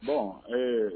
Hɔn ee